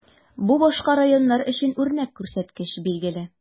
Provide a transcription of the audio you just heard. Бу башка районнар өчен үрнәк күрсәткеч, билгеле.